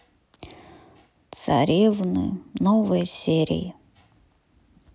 царевны новые серии